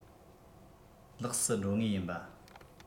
ལེགས སུ འགྲོ ངེས ཡིན པ